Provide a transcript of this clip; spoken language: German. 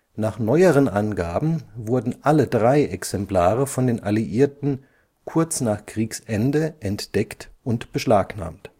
Nach neueren Angaben wurden alle drei Exemplare von den Alliierten kurz nach Kriegsende entdeckt und beschlagnahmt